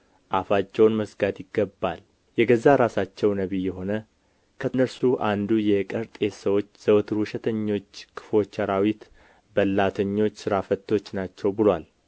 አፋቸውን መዝጋት ይገባል የገዛ ራሳቸው ነቢይ የሆነ ከእነርሱ አንዱ የቀርጤስ ሰዎች ዘወትር ውሸተኞች ክፉዎች አራዊት በላተኞች ሥራ ፈቶች ናቸው ብሎአል